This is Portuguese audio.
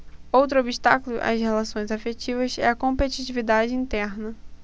outro obstáculo às relações afetivas é a competitividade interna